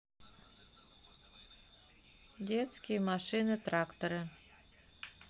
детские машины тракторы